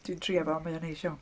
Dwi'n trio fo, mae o'n neis iawn.